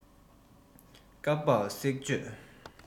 སྐབས བབས གསེག གཅོད